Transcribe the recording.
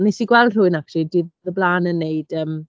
Wnes i gweld rhywun acshyli diwrnod o'r blaen yn wneud, yym...